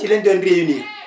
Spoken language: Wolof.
ci la ñu doon réunir